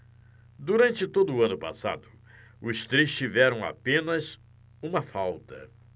durante todo o ano passado os três tiveram apenas uma falta